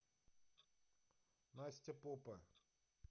настя попа